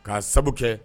K'a sababu kɛ